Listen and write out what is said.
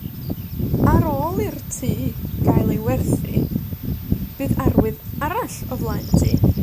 Ar ôl i'r tŷ gael ei werthu, bydd arwydd arall o flaen y tŷ.